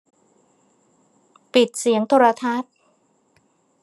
ปิดเสียงโทรทัศน์